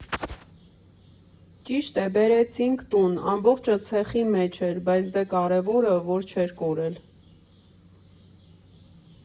Ճիշտ է, բերեցինք տուն, ամբողջը ցեխի մեջ էր, բայց դե կարևորը, որ չէր կորել։